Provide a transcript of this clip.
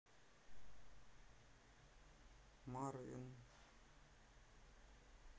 марвин